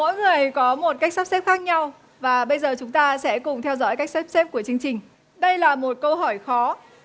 mỗi người có một cách sắp xếp khác nhau và bây giờ chúng ta sẽ cùng theo dõi cách sắp xếp của chương trình đây là một câu hỏi khó